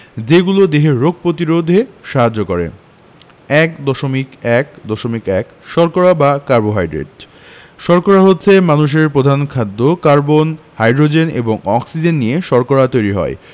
যেগুলো দেহের রোগ প্রতিরোধে সাহায্য করে ১.১.১ শর্করা বা কার্বোহাইড্রেট শর্করা হচ্ছে মানুষের প্রধান খাদ্য কার্বন হাইড্রোজেন এবং অক্সিজেন নিয়ে শর্করা তৈরি হয়